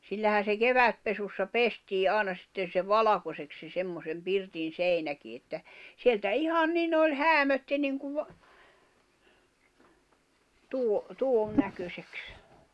sillähän se kevätpesussa pestiin aina sitten se valkoiseksi se semmoisen pirtin seinäkin että sieltä ihan niin oli häämötti niin kuin tuo tuon näköiseksi